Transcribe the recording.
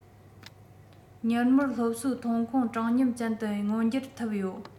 མྱུར མོར སློབ གསོའི ཐོན ཁུངས དྲང སྙོམས ཅན དུ མངོན འགྱུར ཐུབ ཡོད